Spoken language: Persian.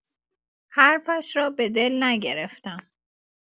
حرفش را به دل نگرفتم.